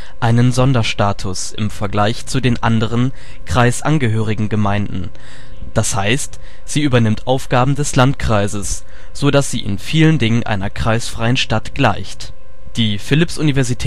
einen Sonderstatus (Sonderstatusstadt) im Vergleich zu den anderen kreisangehörigen Gemeinden, das heißt sie übernimmt Aufgaben des Landkreises, so dass sie in vielen Dingen einer kreisfreien Stadt gleicht. Die Philipps-Universität